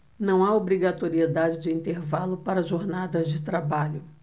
não há obrigatoriedade de intervalo para jornadas de trabalho